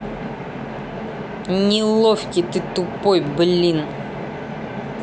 неловкий ты тупой блин